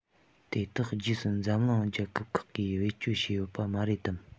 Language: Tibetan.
དེ དག རྗེས སུ འཛམ གླིང རྒྱལ ཁབ ཁག གིས བེད སྤྱོད བྱས ཡོད པ མ རེད དམ